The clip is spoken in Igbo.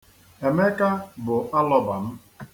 Emeka bụ alọba m.